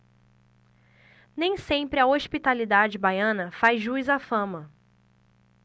nem sempre a hospitalidade baiana faz jus à fama